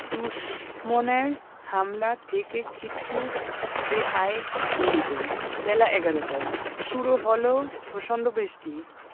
দুশমনের হামলা থেকে কিছুটা রেহাই মিলবে বেলা এগারোটা শুরু হলো প্রচণ্ড বৃষ্টি